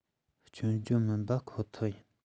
སྐྱོན བརྗོད མིན པ ཁོ ཐག ཡིན